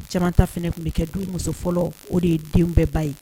Caman ta fana tun bɛ kɛ du muso fɔlɔ o de ye denw bɛɛ ba ye.